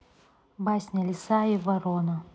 басня лиса и ворона